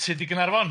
Tyd i Gynarfon.